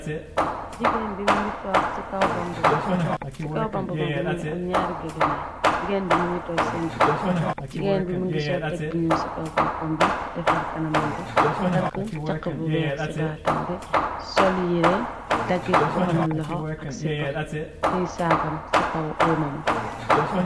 Jigeen bi mungi toog ci kaw bang bu mag bi , ci kaw bang bu mak bi mungi am ñyaaru mgegenaay. Jigeen bi mu ngi toog sen dega bii. Jigeen bi më ngi sool tekk bu ñuul ci kaw boppam bi defar kana mam b takkuh chaxu bu weex ci baatam bi, sol yire daggit bu amul loxo ak sipam tey saakam ci kaw uumam bi.